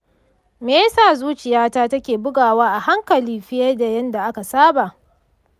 me yasa zuciyata ke bugawa a hankali fiye da yadda aka saba?